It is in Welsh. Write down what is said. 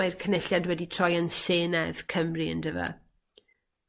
mae'r cynulliad wedi troi yn Senedd Cymru on'd yfe?